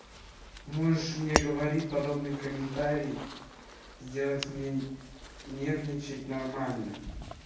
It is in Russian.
можешь мне говорит подобный комментарий сделать мне нервничать нормально